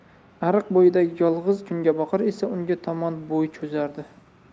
ariq bo'yidagi yolg'iz kungaboqar esa unga tomon bo'y cho'zardi